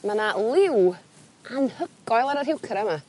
Ma' 'na liw anhygoel yn yr heuchera 'ma.